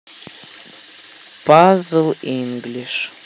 пазл инглиш